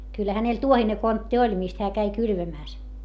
kyllä hänellä tuohinen kontti oli mistä hän kävi kylvämässä